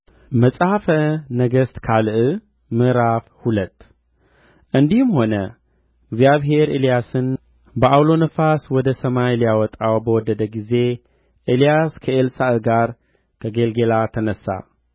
አካዝያስ ያደረገው የቀረው ነገር በእስራኤል ነገሥታት ታሪክ መጽሐፍ የተጻፈ አይደለምን